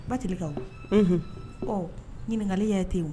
Batkaw un ɔ ɲininkali yɛrɛ tɛ yen